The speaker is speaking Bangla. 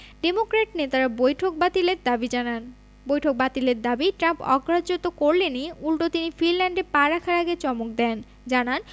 ডেমোক্র্যাট নেতারা বৈঠক বাতিলের দাবি জানান বৈঠক বাতিলের দাবি ট্রাম্প অগ্রাহ্য তো করলেনই উল্টো তিনি ফিনল্যান্ডে পা রাখার আগে চমক দেন জানান